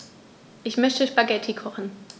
Ich möchte Spaghetti kochen.